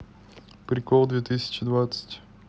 прикол две тысячи двадцать